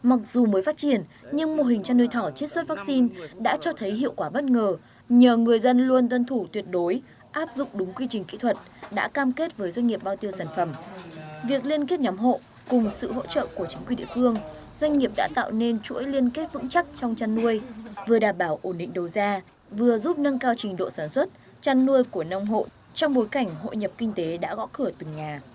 mặc dù mới phát triển nhưng mô hình chăn nuôi thỏ chiết xuất vắc xin đã cho thấy hiệu quả bất ngờ nhờ người dân luôn tuân thủ tuyệt đối áp dụng đúng quy trình kỹ thuật đã cam kết với doanh nghiệp bao tiêu sản phẩm việc liên kết nhóm hộ cùng sự hỗ trợ của chính quyền địa phương doanh nghiệp đã tạo nên chuỗi liên kết vững chắc trong chăn nuôi vừa đảm bảo ổn định đầu ra vừa giúp nâng cao trình độ sản xuất chăn nuôi của nông hội trong bối cảnh hội nhập kinh tế đã gõ cửa từng nhà